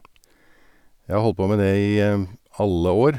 Jeg har holdt på med det i alle år.